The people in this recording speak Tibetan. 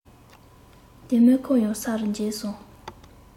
དེ མུར ཁོ ཡང ས རུ འགྱེལ སོང